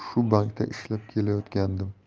shu bankda ishlab kelayotgandim